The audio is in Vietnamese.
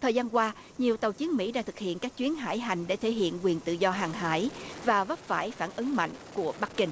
thời gian qua nhiều tàu chiến mỹ đã thực hiện các chuyến hải hành để thể hiện quyền tự do hàng hải và vấp phải phản ứng mạnh của bắc kinh